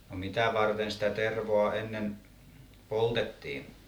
no mitä varten sitä tervaa ennen poltettiin